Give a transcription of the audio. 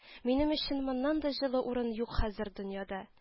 — минем өчен моннан да җылы урын юк хәзер дөньяда